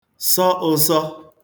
sọ ụ̄sọ̄